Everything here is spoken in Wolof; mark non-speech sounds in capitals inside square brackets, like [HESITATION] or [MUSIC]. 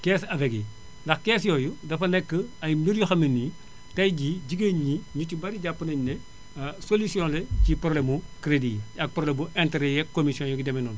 keesu avec yi ndax kees yooyu dafa nekk ay mbir yoo xam ne nii tey jii jigéen ñi ñu ci bari jàpp nañu ne [HESITATION] solution la ci problème mu crédit yi ak problème mu interet yeeg commission yeeg yu demee noonu